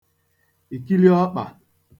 ìkili ọkpà